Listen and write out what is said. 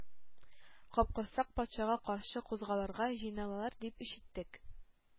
Капкорсак патшага каршы кузгалырга җыйналалар дип ишеттек,